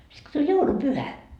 sitten kun tuli joulupyhä